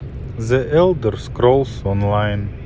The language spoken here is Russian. зе елдер скролс онлайн